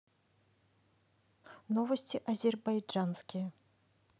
новости азербайджанские